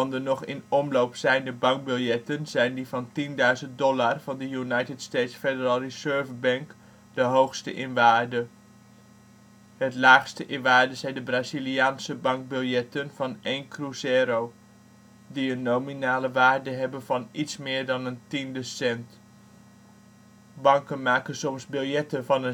de nog in omloop zijnde bankbiljetten zijn die van $ 10.000 van de United States Federal Reserve Bank de hoogste in waarde. Het laagste in waarde zijn de Braziliaanse bankbiljetten van één cruzeiro, die een nominale waarde hebben (1975) van iets meer dan een tiende cent. Banken maken soms biljetten van